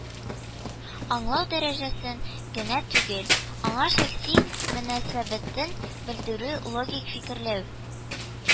Аңлау дәрәҗәсен генә түгел, аңа шәхси мөнәсәбәтен белдерү, логик фикерләү